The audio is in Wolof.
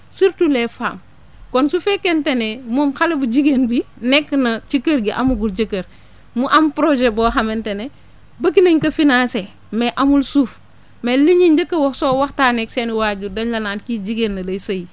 surtout les femmes kon su fekkente ne moom xale bu jigéen bi nekk na ci kër gi amagul jëkkër mu am projet boo xamante ne bëgg nañ ko financer mais amul suuf mais li ñuy njëkk a wax soo waxtaanee ak seen i waajur dañ la naan kii jigéen la day sëyi